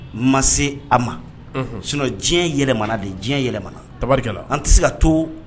N ma se a ma. Unhun sinon diɲɛ yɛlɛmana de diɲɛ yɛlɛmana tabarikala an ti se ka to